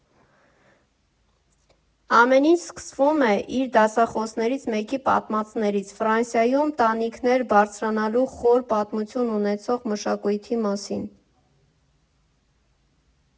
Ամեն ինչ սկսվում է իր դասախոսներից մեկի պատմածներից՝ Ֆրանսիայում տանիքներ բարձրանալու խոր պատմություն ունեցող մշակույթի մասին։